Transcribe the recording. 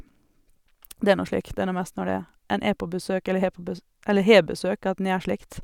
Det er nå slik, det er nå mest når det er en er på besøk eller har på bes eller har besøk at en gjør slikt.